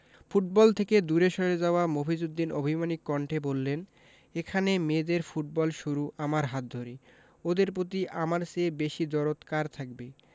football থেকে দূরে সরে যাওয়া মফিজ উদ্দিন অভিমানী কণ্ঠে বললেন এখানে মেয়েদের ফুটবল শুরু আমার হাত ধরেই ওদের পতি আমার চেয়ে বেশি দরদ কার থাকবে